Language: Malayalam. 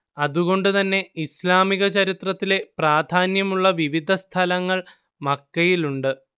അത് കൊണ്ട് തന്നെ ഇസ്ലാമിക ചരിത്രത്തിലെ പ്രാധാന്യമുള്ള വിവിധ സ്ഥലങ്ങൾ മക്കയിലുണ്ട്